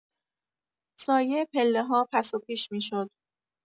سایه پله‌ها پس و پیش می‌شد.